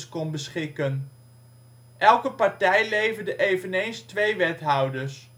kon beschikken. Elke partij leverde eveneens twee wethouders